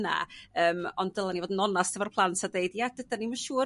yna yym ond dyla ni fod yn onast efo'r plant a deud ia dydan ni 'myn siŵr